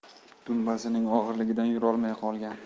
dumbasining og'irligidan yurolmay qolgan